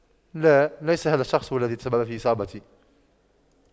لا ليس هذا الشخص هو الذي تسبب في إصابتي